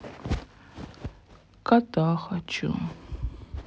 кота хочу